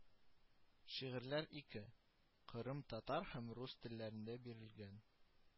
Шигырьләр ике: кырымтатар һәм рус телләрендә бирелгән